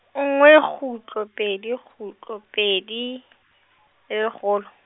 nngwe kgutlo pedi kgutlo pedi, le lekgolo.